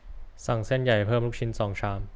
สั่งเส้นใหญ่เพิ่มลูกชิ้นสองชาม